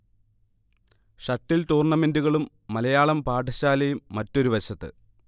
shuttle ടൂർണമെന്റുകളും മലയാളം പാഠശാലയും മറ്റൊരു വശത്ത്